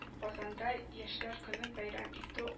Казанда Яшьләр көнен бәйрәм итү